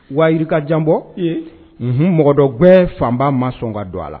Wayi ka janbɔ mɔgɔ dɔ bɛɛ fanba ma sɔn ka don a la